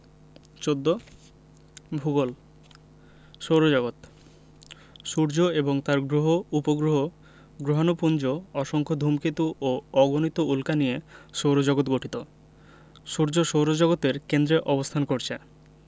১৪ ভূগোল সৌরজগৎ সূর্য এবং তার গ্রহ উপগ্রহ গ্রহাণুপুঞ্জ অসংখ্য ধুমকেতু ও অগণিত উল্কা নিয়ে সৌরজগৎ গঠিত সূর্য সৌরজগতের কেন্দ্রে অবস্থান করছে